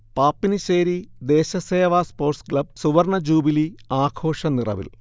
Pappinisseri Desha Seva sports club സുവർണജൂബിലി ആഘോഷനിറവിൽ